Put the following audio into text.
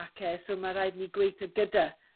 ac e so ma' raid i ni gweithio gyda